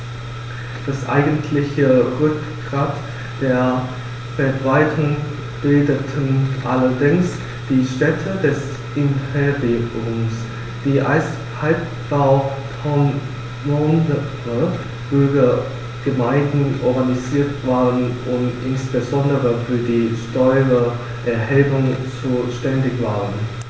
Das eigentliche Rückgrat der Verwaltung bildeten allerdings die Städte des Imperiums, die als halbautonome Bürgergemeinden organisiert waren und insbesondere für die Steuererhebung zuständig waren.